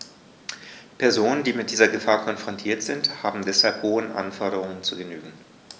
Personen, die mit dieser Gefahr konfrontiert sind, haben deshalb hohen Anforderungen zu genügen.